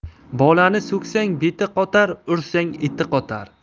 bolani so'ksang beti qotar ursang eti qotar